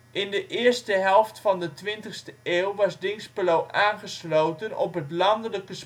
In de eerste helft van de twintigste eeuw was Dinxperlo aangesloten op het landelijke